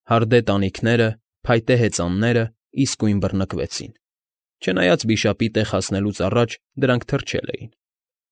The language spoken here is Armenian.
Հարդե տանիքները, փայտե հեծանները իսկույն բռնկվեցին, չնայած վիշապի տեղ հասնելուց առաջ դրանք թրջել էին։